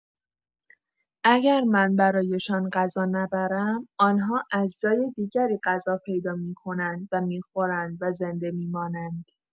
اگر من برایشان غذا نبرم، آن‌ها از جای دیگری غذا پیدا می‌کنند و می‌خورند و زنده می‌مانند.